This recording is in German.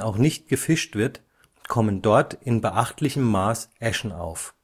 auch nicht gefischt wird, kommen dort in betrachtlichem Maß Äschen auf.